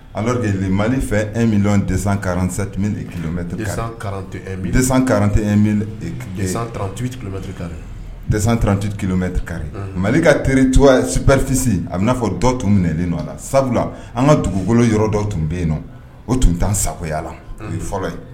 Ala de mali fɛ e min dɔn de karantimɛ dete trantimɛ kari mali ka teri cogoyapfisi a bɛ'a fɔ dɔ tun minɛlen nɔ a la sabula an ka dugukolo yɔrɔ dɔ tun bɛ yen nɔn o tun tan sakɔya la o fɔlɔ ye